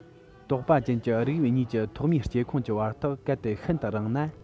དོགས པ ཅན གྱི རིགས དབྱིབས གཉིས ཀྱི ཐོག མའི སྐྱེ ཁུངས ཀྱི བར ཐག གལ ཏེ ཤིན ཏུ རིང ན